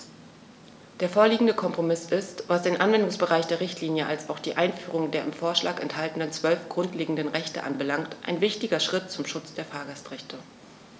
Der vorliegende Kompromiss ist, was den Anwendungsbereich der Richtlinie als auch die Einführung der im Vorschlag enthaltenen 12 grundlegenden Rechte anbelangt, ein wichtiger Schritt zum Schutz der Fahrgastrechte.